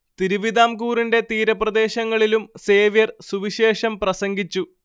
തിരുവിതാംകൂറിന്റെ തീരപ്രദേശങ്ങളിലും സേവ്യർ സുവിശേഷം പ്രസംഗിച്ചു